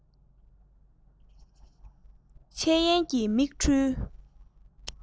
འཆལ ཡན གྱི མིག འཕྲུལ